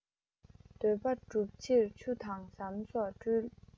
འདོད པ སྒྲུབ ཕྱིར ཆུ དང ཟམ སོགས སྤྲུལ